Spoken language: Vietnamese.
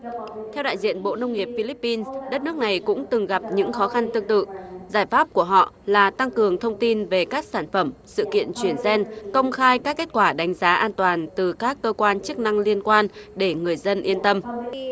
theo đại diện bộ nông nghiệp phi líp pin đất nước này cũng từng gặp những khó khăn tương tự giải pháp của họ là tăng cường thông tin về các sản phẩm sự kiện chuyển gen công khai các kết quả đánh giá an toàn từ các cơ quan chức năng liên quan để người dân yên tâm